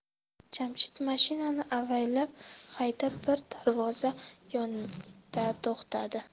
jamshid mashinani avaylab haydab bir darvoza yonida to'xtadi